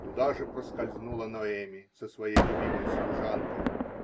Туда же проскользнула Ноэми со своей любимой служанкой.